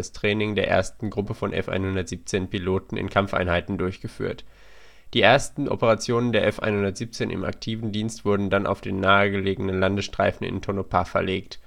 Training der ersten Gruppe von F-117-Piloten in Kampfeinheiten durchgeführt. Die ersten Operationen der F-117 im aktiven Dienst wurden dann (immer noch hoch geheim) auf den nahegelegenen Landestreifen in Tonopah verlegt